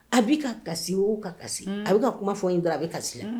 A bi ka kasi o ka kasi . A bi ka kuma fɔ n ye dɔrɔn a bi kasi la.